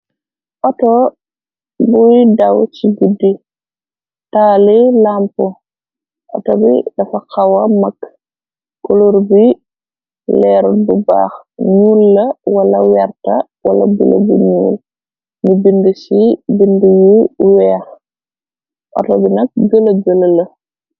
Auto buy daw ci guddi taali làmpo auto bi dafa xawa mag kolor bi leer bu baax ñuul la wala werta wala bule bu ñuul ñu bind ci bind yu weex auto bi nak gëla gëla la.